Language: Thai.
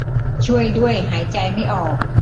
ช่วยด้วยหายใจไม่ออก